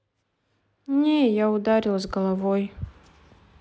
не я ударилась головой